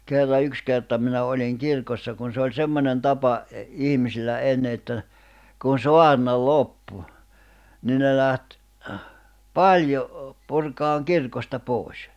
kerran yksi kerta minä olin kirkossa kun se oli semmoinen tapa - ihmisillä ennen että kun saarna loppui niin ne lähti paljon purkamaan kirkosta pois